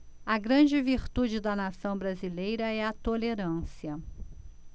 a grande virtude da nação brasileira é a tolerância